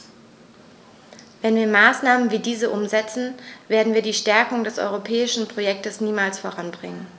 Wenn wir Maßnahmen wie diese umsetzen, werden wir die Stärkung des europäischen Projekts niemals voranbringen.